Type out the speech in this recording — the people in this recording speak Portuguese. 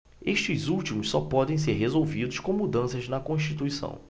estes últimos só podem ser resolvidos com mudanças na constituição